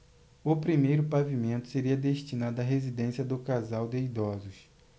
o primeiro pavimento seria destinado à residência do casal de idosos